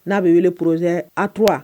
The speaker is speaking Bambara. N'a bɛ wele purze at